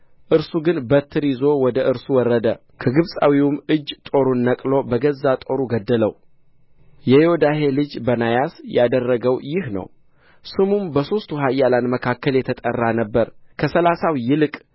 እርሱ ግን በትር ይዞ ወደ እርሱ ወረደ ከግብጻዊውም እጅ ጦሩን ነቅሎ በገዛ ጦሩ ገደለው የዮዳሄ ልጅ በናያስ ያደረገው ይህ ነው ስሙም በሦስቱ ኃያላን መካከል የተጠራ ነበር እነሆ ከሠላሳው ይልቅ